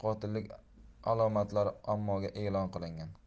qotillik alomatlari ommaga e'lon qilingan